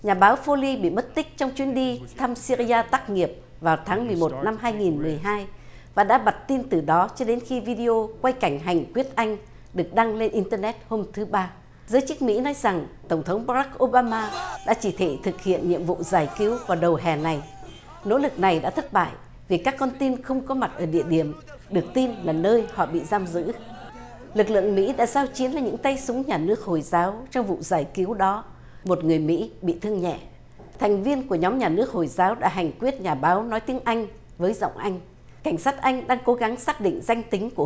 nhà báo phu li bị mất tích trong chuyến đi thăm sia ri a tác nghiệp vào tháng mười một năm hai nghìn mười hai và đã bặt tin từ đó cho đến khi vi đi ô quay cảnh hành quyết anh được đăng lên in tơ nét hôm thứ ba giới chức mỹ nói rằng tổng thống ba rắc ô ba ma đã chỉ thị thực hiện nhiệm vụ giải cứu vào đầu hè này nỗ lực này đã thất bại vì các con tin không có mặt ở địa điểm được tin là nơi họ bị giam giữ lực lượng mỹ đã giao chiến với những tay súng nhà nước hồi giáo trong vụ giải cứu đó một người mỹ bị thương nhẹ thành viên của nhóm nhà nước hồi giáo đã hành quyết nhà báo nói tiếng anh với giọng anh cảnh sát anh đang cố gắng xác định danh tính của